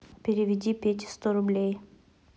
переведи пете сто рублей